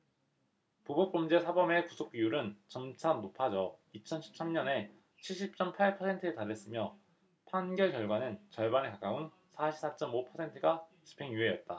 보복 범죄 사범의 구속 비율은 점차 높아져 이천 십 삼 년에 칠십 쩜 팔 퍼센트에 달했으며 판결 결과는 절반에 가까운 사십 사 쩜 오 퍼센트가 집행유예였다